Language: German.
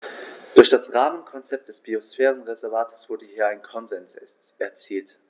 Durch das Rahmenkonzept des Biosphärenreservates wurde hier ein Konsens erzielt.